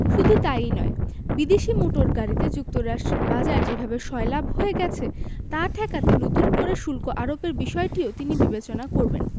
শুধু তা ই নয় বিদেশি মোটর গাড়িতে যুক্তরাষ্ট্রের বাজার যেভাবে সয়লাব হয়ে গেছে তা ঠেকাতে নতুন করে শুল্ক আরোপের বিষয়টিও তিনি বিবেচনা করবেন